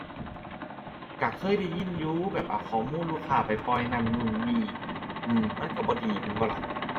ก็เคยได้ยินอยู่แบบเอาข้อมูลลูกค้าไปปล่อย นั่นนู่นนี่ อื้อ มันก็บ่ดีแม่นบ่ล่ะ